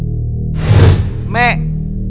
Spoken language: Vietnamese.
mẹ mẹ